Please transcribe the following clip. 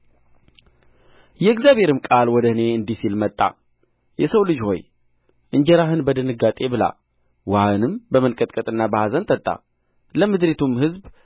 የእግዚአብሔርም ቃል ወደ እኔ እንዲህ ሲል መጣ የሰው ልጅ ሆይ እንጀራህን በድንጋጤ ብላ ውኃህንም በመንቀጥቀጥና በኀዘን ጠጣ ለምድሪቱም ሕዝብ